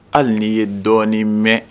Hali ye dɔɔnin mɛn